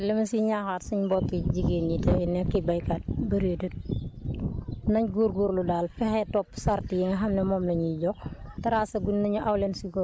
waaw Alioune dëgg la man de li ma siy ñaaxaat suñ mbokki jigéen ñi te ñu nekk béykat bëreetut nañ góorgóorlu daal fexe topp charte yi nga xam ne moom la ñuy jox